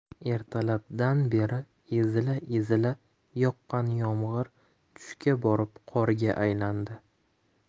ertalab dan beri ezila ezila yoqqan yomg'ir tushga borib qorga aylandi